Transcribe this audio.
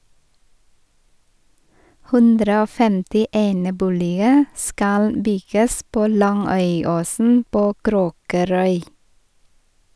150 eneboliger skal bygges på Langøyåsen på Kråkerøy.